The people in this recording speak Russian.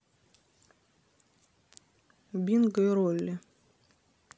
бинго и ролли